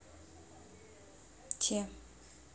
те